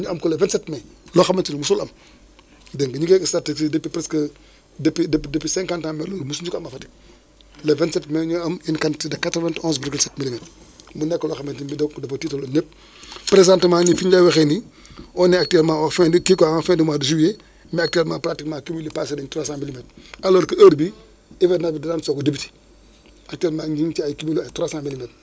ñu am ko le 27 mai loo xamante ni mosul am dégg nga ñu ngeeg statistiques yi depuis presque depuis depuis depuis cinquante ans mais loolu mosuñu ko am à Fatick le 27 mai ñu am une quantité de 91 virgule 7milimètre mu nekk loo xamante ni donc dafa tiitaloon ñëpp présentement ñun fi ñu lay waxee nii on est actuellement au fin de kii quoi en fin de mois de juillet mais actuellement partiquement cumul yi paase nañ 300 milimètres alors que heure bii hivernage bi da daan soog a débuter actuellemnt ñu ngi ci ay cumul lu ay 300 milimètres